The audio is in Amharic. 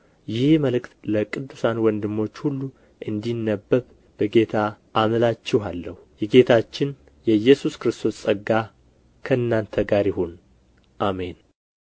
ይህ መልእክት ለቅዱሳን ወንድሞች ሁሉ እንዲነበብ በጌታ አምላችኋለሁ የጌታችን የኢየሱስ ክርስቶስ ጸጋ ከእናንተ ጋር ይሁን አሜን